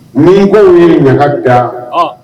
Minkaw ye ɲininkaka ta